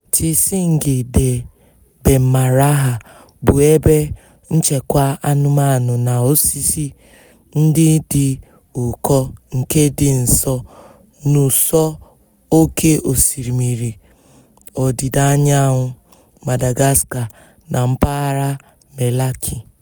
Tsingy de Bemaraha bụ ebe nchekwa anụmanụ na osisi ndị dị ụkọ nke dị nso n'ụsọ oké osimiri ọdịda anyanwụ Madagascar na mpaghara Melaky.